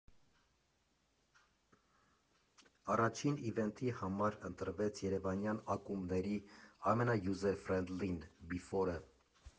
Առաջին իվենթի համար ընտրվեց երևանյան ակումբների ամենայուզերֆրենդլին՝ Բիֆորը։